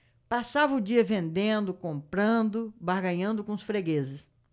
passava o dia vendendo comprando barganhando com os fregueses